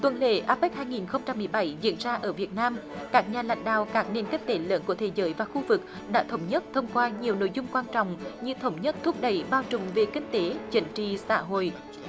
tuần lễ a pếc hai nghìn không trăm mười bảy diễn ra ở việt nam các nhà lãnh đạo các nền kinh tế lớn của thế giới và khu vực đã thống nhất thông qua nhiều nội dung quan trọng như thống nhất thúc đẩy bao trùm về kinh tế chính trị xã hội